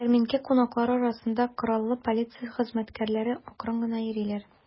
Ярминкә кунаклары арасында кораллы полиция хезмәткәрләре акрын гына йөриләр.